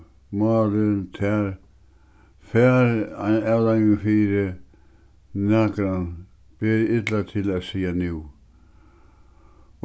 fær ein avleiðing fyri nakran ber ill til at siga nú